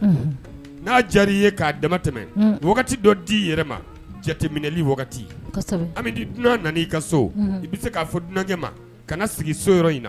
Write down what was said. N' diya i ka dama tɛmɛ dɔ di i yɛrɛ ma jateminɛli dunan nana i ka so i se fɔ dunankɛ ma sigi so i